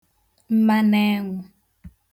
mmanenwụ̄